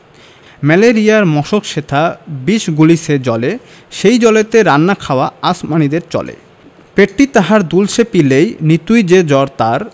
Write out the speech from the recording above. ম্যালেরিয়ার মশক সেথা বিষ গুলিছে জলে সেই জলেতে রান্না খাওয়া আসমানীদের চলে পেটটি তাহার দুলছে পিলেয় নিতুই যে জ্বর তার